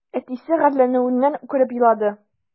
Әтисе гарьләнүеннән үкереп елады.